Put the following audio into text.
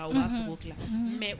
A u unhun b'a sogo tila unhun mais